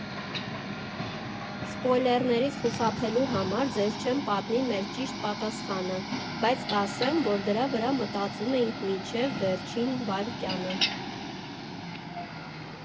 Սփոյլերներից խուսափելու համար ձեզ չեմ պատմի մեր ճիշտ պատասխանը, բայց կասեմ, որ դրա վրա մտածում էինք մինչև վերջին վայրկյանը։